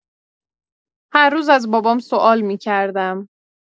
هر روز از بابام سؤال می‌کردم.